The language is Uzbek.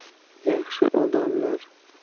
yaxshi odamlar